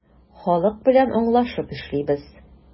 Халык белән аңлашып эшлибез.